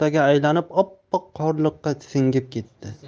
aylanib oppoq qorliqqa singib ketdi